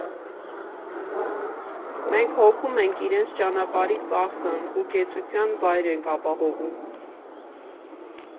Մենք հոգում ենք իրենց ճանապարհի ծախսն ու կեցության վայր ենք ապահովում։